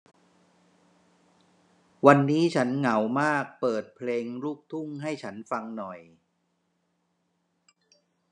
วันนี้ฉันเหงามากเปิดเพลงลูกทุ่งให้ฉันฟังหน่อย